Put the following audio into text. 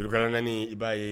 Klan naaniani i b'a ye